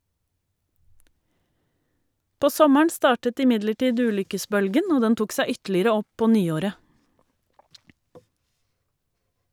På sommeren startet imidlertid ulykkesbølgen, og den tok seg ytterligere opp på nyåret.